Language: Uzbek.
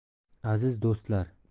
aziz do'stlar